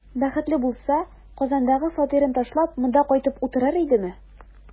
Бәхетле булса, Казандагы фатирын ташлап, монда кайтып утырыр идеме?